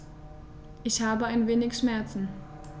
Ich habe ein wenig Schmerzen.